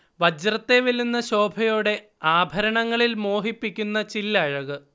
വജ്രത്തെ വെല്ലുന്ന ശോഭയോടെ ആഭരണങ്ങളിൽ മോഹിപ്പിക്കുന്ന ചില്ലഴക്